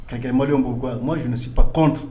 Maliɲɛnw b'iw kɔ Je ne suis pas contre